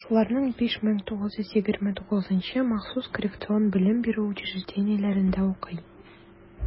Шуларның 5929-ы махсус коррекцион белем бирү учреждениеләрендә укый.